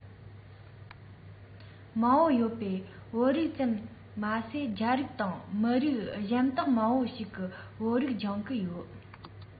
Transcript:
མང པོ ཡོད རེད བོད རིགས ཙམ མ ཟད རྒྱ རིགས དང མི རིགས གཞན དག མང པོ ཞིག གིས བོད ཡིག སྦྱང གི ཡོད རེད